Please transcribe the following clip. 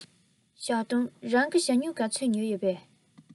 ཞའོ ཏུང རང གིས ཞྭ སྨྱུག ག ཚོད ཉོས ཡོད པས